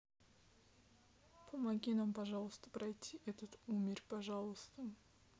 помоги нам пожалуйста пойти этот умерь пожалуйста